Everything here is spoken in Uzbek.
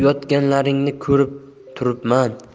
yotganlaringni ko'rib turibman